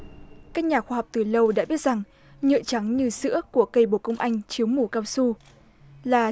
các nhà khoa học từ lâu đã biết rằng nhựa trắng như sữa của cây bồ công anh chứa mủ cao su là